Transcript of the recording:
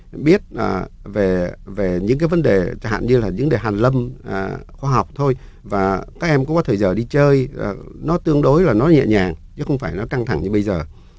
biết à về về những cái vấn đề chẳng hạn như là những đề hàn lâm khoa học thôi và các em có thời giờ đi chơi ờ nó tương đối là nó nhẹ nhàng chứ không phải là nó căng thẳng như bây giờ